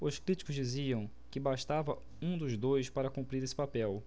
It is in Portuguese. os críticos diziam que bastava um dos dois para cumprir esse papel